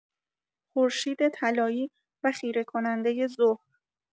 خورشید طلایی و خیره‌کنندۀ ظهر